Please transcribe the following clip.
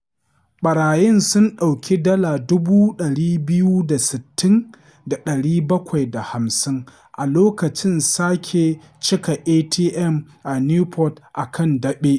Ɓarayi sun ɗauki dala 26,750 a lokacin sake cika ATM a Newport a kan Daɓe